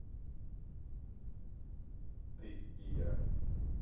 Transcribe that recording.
ты и я